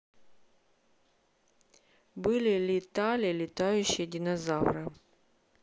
были ли тали летающие динозавры